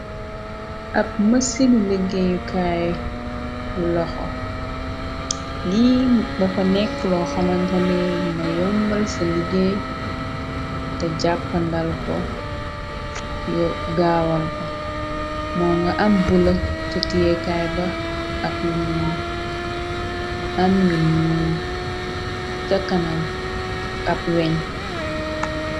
Ab mëssilu leggéeyukaay bu loxo lii dafa nekk loo xamantanee na yombal sa liggéey te jàppandal ko u gaawal ko moo nga am bula ca tiyekaay ba ak lu null mu àn bi mu jàkkanam ak ab weñ.